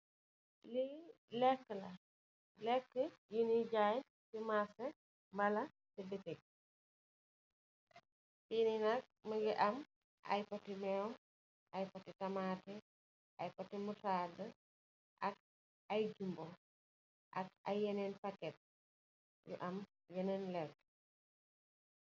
Lii lekk la, lekk yu nyuy jaay si marse mbala si bitig, fiini nak mingi am ay poti meew, ay poti tamate, poti mutadd, ak ay jumbo, ak ay yeneen paket yu am yeneen lekk